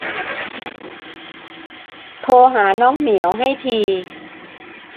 โทรหาน้องเหมียวให้ที